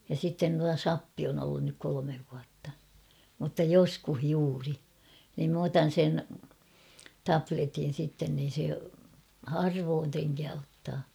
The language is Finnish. ja sitten tuo sappi on ollut nyt kolme vuotta mutta joskus juuri niin minä otan sen tabletin sitten niin se harvoin trenkää ottaa